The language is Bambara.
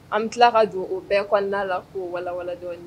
An bɛ tila ka don o bɛɛ kɔnɔna na k'o walawala dɔɔnin